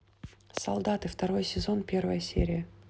солдаты второй сезон первая серия